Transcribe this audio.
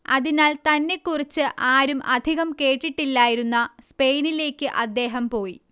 അതിനാൽ തന്നെക്കുറിച്ച് ആരും അധികം കേട്ടിട്ടില്ലായിരുന്ന സ്പെയിനിലേയ്ക്ക് അദ്ദേഹം പോയി